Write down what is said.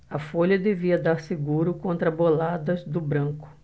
a folha devia dar seguro contra boladas do branco